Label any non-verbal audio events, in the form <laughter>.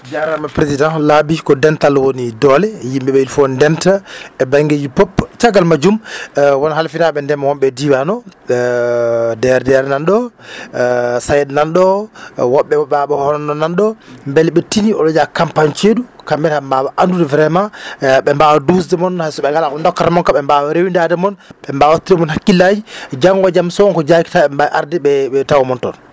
jarama président laaɓi ko ndetal woni doole yimɓeɓe il faut ndenta e banggueji pop caggal majjum <hesitation> won halfinaɓe ndeema wonɓe e diwan o <hesitation> DRDR nanɗo <hesitation> SAET nanɗo woɓɓe e baaba hono nanɗo beele ɓe tiini oɗon jaa campagne ceeɗu kamɓene heeɓe mbawa andude vraiment ɓe mbawa dusde moon hay soɓe gala koɓe dokkata moon kam ɓe mbawa rewidade moon ɓe mbawa wattude moon hakkillaji janggo e jaam so wonko jaaki taw eɓe mbawi arde ɓe ɓe tawamon toon